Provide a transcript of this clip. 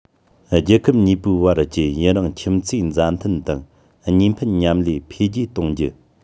རྒྱལ ཁབ གཉིས པོའི བར གྱི ཡུན རིང ཁྱིམ མཚེས མཛའ མཐུན དང གཉིས ཕན མཉམ ལས འཕེལ རྒྱས གཏོང རྒྱུ